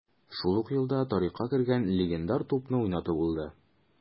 Шул ук елда тарихка кергән легендар тупны уйнату булды: